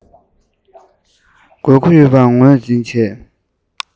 དགོས མཁོ ཡོད པ ངོས འཛིན བྱས